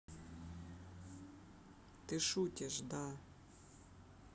ты шутишь да